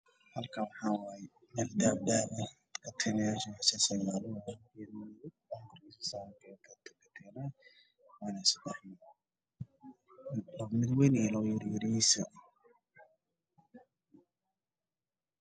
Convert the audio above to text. Meeshaan waa darbi waxaa ku tiirsan baal madowga waxaana ku jiro waxaa la qoorta suran katiinad weyn gabadhagood yar yar